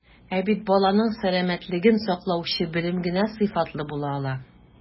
Ә бит баланың сәламәтлеген саклаучы белем генә сыйфатлы була ала.